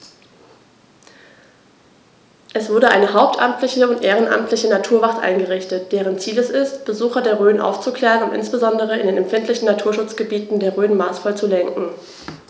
Es wurde eine hauptamtliche und ehrenamtliche Naturwacht eingerichtet, deren Ziel es ist, Besucher der Rhön aufzuklären und insbesondere in den empfindlichen Naturschutzgebieten der Rhön maßvoll zu lenken.